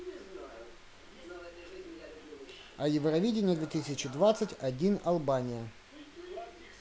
а евровидение две тысячи двадцать один албания